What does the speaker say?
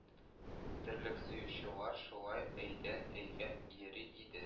Терлек суючылар шулай өйдән-өйгә йөри иде